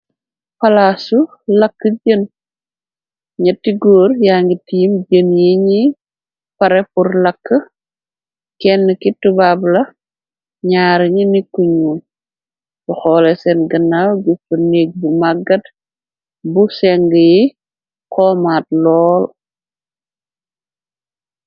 Palaasu lakk jën. niatti góor yaa ngi tiim jën yi ñi parepur làkk, kenn ki tubaab la ñaar ñi nikku ñu du xoole seen ginnaaw juftu nig bu maggat bu seng yi xomaat lool.